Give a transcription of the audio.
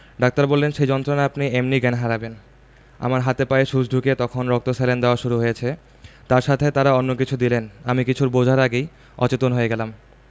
doctor বললেন সেই যন্ত্রণায় আপনি এমনি জ্ঞান হারাবেন আমার হাতে পায়ে সুচ ঢুকিয়ে তখন রক্ত স্যালাইন দেওয়া শুরু হয়েছে তার সাথে তারা অন্য কিছু দিলেন আমি কিছু বোঝার আগে অচেতন হয়ে গেলাম